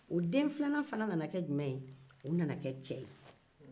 o den filanan nana kɛ cɛ ye